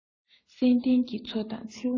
བསིལ ལྡན གྱི མཚོ དང མཚེའུ ནང དུ